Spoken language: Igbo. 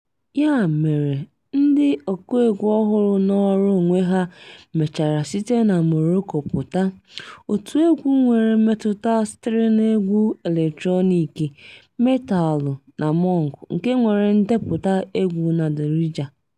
Ya mere, ndị ọkụegwú ọhụrụ nọọrọ onwe ha mechara site na Morocco pụta, òtùegwu nwere mmetụta sitere n'egwu eletrọniik, metaalụ, na punk, nke nwere ndepụta egwu na Darija.